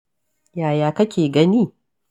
Yaya kake gani?